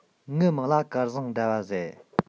ངའི མིང ལ སྐལ བཟང ཟླ བ ཟེར